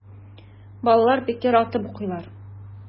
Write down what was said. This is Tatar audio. Балалар бик яратып укыйлар.